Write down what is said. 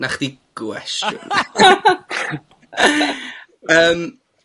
'Na chdi gwestiwn. Yym.